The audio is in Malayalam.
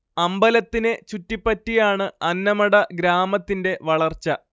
അമ്പലത്തിനെ ചുറ്റിപ്പറ്റിയാണ് അന്നമട ഗ്രാമത്തിന്റെ വളർച്ച